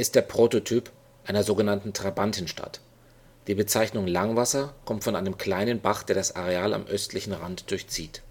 der Prototyp einer sogenannten Trabantenstadt. Die Bezeichnung Langwasser kommt von einem kleinen Bach, der das Areal am östlichen Rand durchzieht